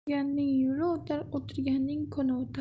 yurganning yo'li o'tar o'tirganning kuni o'tar